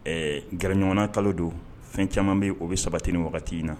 Ɛɛ gɛrɛ ɲɔgɔn kalo don fɛn caman bɛ o bɛ saba ten wagati in na